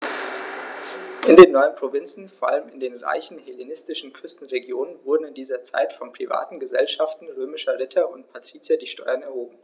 In den neuen Provinzen, vor allem in den reichen hellenistischen Küstenregionen, wurden in dieser Zeit von privaten „Gesellschaften“ römischer Ritter und Patrizier die Steuern erhoben.